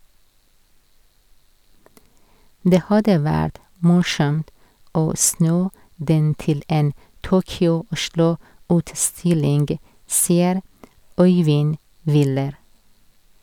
Det hadde vært morsomt å snu den til en "Tokyo-Oslo-utstilling", sier Øyvind Wyller.